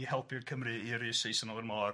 i helpu'r Cymry i ryw Saesneg o'r môr.